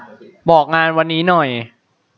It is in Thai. บอกงานวันนี้หน่อย